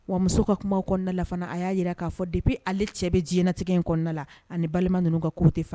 Wa muso ka kuma kɔnɔna la fana a ya jira ka fɔ depuis ale cɛ bɛ jiɲɛnatigɛ in kɔnɔna la a ni balima nunun ka ko te fan